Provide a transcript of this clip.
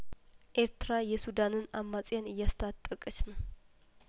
ኤርትራ የሱዳንን አማጽያን እያስታጠቀች ነው